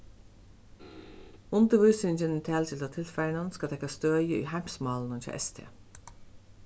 undirvísingin í talgilda tilfarinum skal taka støði í heimsmálunum hjá st